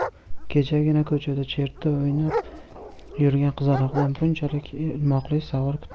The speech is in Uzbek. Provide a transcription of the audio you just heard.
kechagina ko'chada cherta o'ynab yurgan qizaloqdan bunchalik ilmoqli savol kutmagan edim